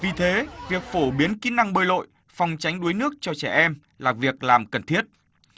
vì thế việc phổ biến kỹ năng bơi lội phòng tránh đuối nước cho trẻ em là việc làm cần thiết